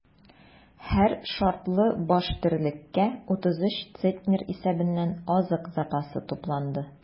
Һәр шартлы баш терлеккә 33 центнер исәбеннән азык запасы тупланды.